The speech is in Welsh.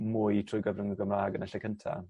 mwy trwy gyfrwng y Gymra'g yn y lle cynta.